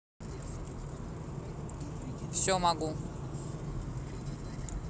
все могу